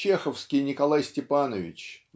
чеховский Николай Степанович